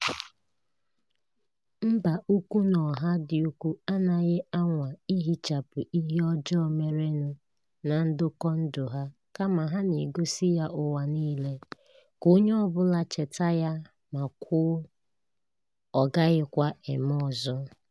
Mba úkwú na ọha dị úkwù anaghị anwa ihichapụ ihe ọjọọ merenụ na ndekọ ndụ ha kama ha na-egosi ya ụwa niile ka onye ọ bụla cheta ya ma kwuo "Ọ GAGHỊKWA EME ỌZỌ".